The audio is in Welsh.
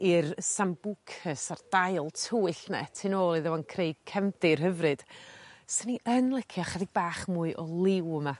i'r sambucas ar dail tywyll 'ne tu nôl iddo fo yn creu cefndir hyfryd 'swn i yn licio ychydig bach mwy o liw yma.